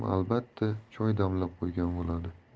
damlab qo'ygan bo'ladi